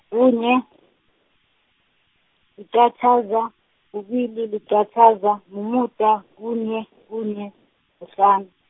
kunye , liqatjhaza, kubili, liqatjhaza, mumuda, kunye, kunye, kuhlanu.